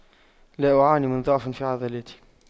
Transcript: لا أعاني من ضعف في عضلاتي